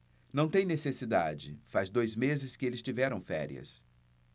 não tem necessidade faz dois meses que eles tiveram férias